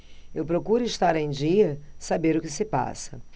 eu procuro estar em dia saber o que se passa